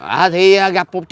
à thì gặp một